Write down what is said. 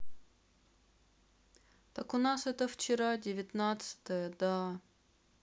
так у нас это вчера девятнадцатое да